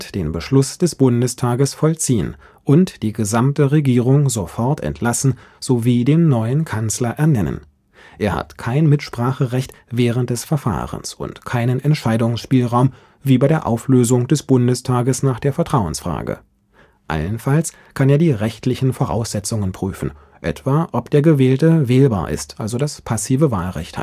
den Beschluss des Bundestages vollziehen und die gesamte Regierung sofort entlassen sowie den neuen Kanzler ernennen. Er hat kein Mitspracherecht während des Verfahrens und keinen Entscheidungsspielraum wie bei der Auflösung des Bundestages nach der Vertrauensfrage. Allenfalls kann er die rechtlichen Voraussetzungen prüfen, etwa ob der Gewählte wählbar ist (passives Wahlrecht